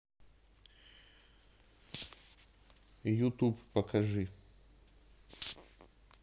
ютуб покажи